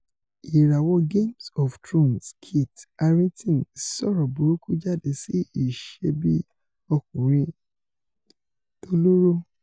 Ìràwọ Games of Thrones Kit Harrington sọ̀rọ̀ burúku jáde sí ìṣebí-ọkùnrin tólóró